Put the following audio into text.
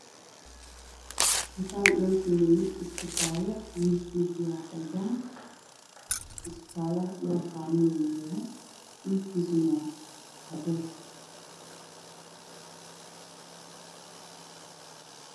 Dukaan loo sameeyay iskafaalo cadaan ah